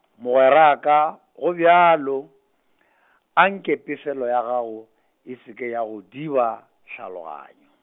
mogweraka, gobjalo , anke pefelo ya gago, e se ke ya go diba, tlhaloganyo.